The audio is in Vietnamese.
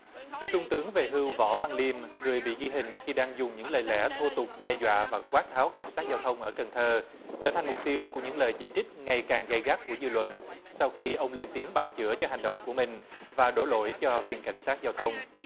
trung tướng về hưu võ văn liêm người bị ghi hình khi đang dùng những lời lẽ thô tục đe dọa và quát tháo cảnh sát giao thông ở cần thơ trở thành mục tiêu của những lời chỉ trích ngày càng gay gắt của dư luận sau khi ông lên tiếng bào chữa cho hành động của mình và đổ lỗi cho viên cảnh sát giao thông